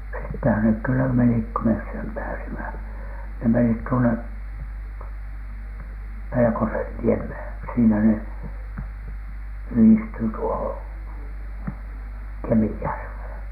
sittenhän ne kyllä menivät kun me sen pääsimme ne menivät tuone Pelkosenniemeen siinä ne yhdistyy tuohon Kemijärveen